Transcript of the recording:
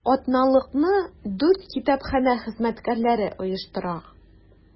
Атналыкны дүрт китапханә хезмәткәрләре оештыра.